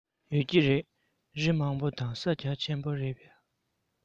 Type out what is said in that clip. ཡོད ཀྱི རེད རི མང པོ དང ས རྒྱ ཆེན པོ རེད པ